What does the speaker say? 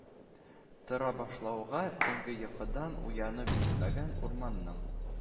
Тыра башлауга, төнге йокыдан уянып җитмәгән урманның